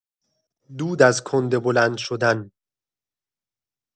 دود از کنده بلند شدن